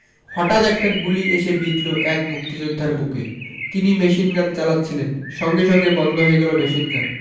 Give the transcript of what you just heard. হতাৎ একটা গুলি এসে বিঁধল এক মুক্তিযোদ্ধার বুকে তিনি মেশিনগান চালাচ্ছিলেন সঙ্গে সঙ্গে বন্ধ হয়ে গেল মেশিনগান